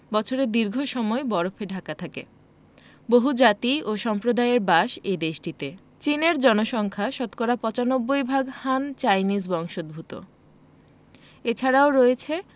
বছরে দীর্ঘ সময় বরফে ঢাকা থাকে বহুজাতি ও সম্প্রদায়ের বাস এ দেশটিতে চীনের জনসংখ্যা শতকরা ৯৫ ভাগ হান চাইনিজ বংশোদূত এছারাও রয়েছে